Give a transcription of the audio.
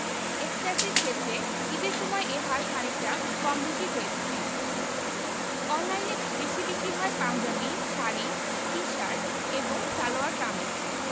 এক্সট্যাসির ক্ষেত্রে ঈদের সময় এ হার খানিকটা কম বেশি হয়ে থাকে অনলাইনে বেশি বিক্রি হয় পাঞ্জাবি শাড়ি টি শার্ট এবং সালোয়ার কামিজ